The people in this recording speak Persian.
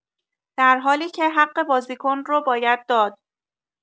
در حالی که حق بازیکن رو باید داد